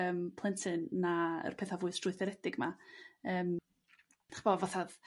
yrm plentyn na yr petha' fwy strwythuredig 'ma yrm dach ch'mo' fatha...